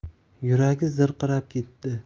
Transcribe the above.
yuragi zirqirab ketdi